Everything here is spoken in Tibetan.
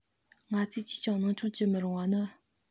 ང ཚོས ཅིས ཀྱང སྣང ཆུང བགྱི མི རུང བ ནི